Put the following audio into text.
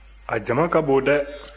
a jama ka bon dɛ